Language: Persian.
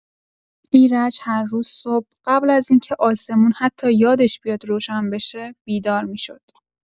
ایرج هر روز صبح، قبل از این که آسمون حتی یادش بیاد روشن بشه، بیدار می‌شد.